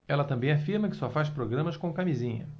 ela também afirma que só faz programas com camisinha